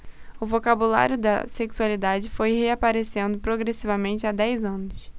o vocabulário da sexualidade foi reaparecendo progressivamente há dez anos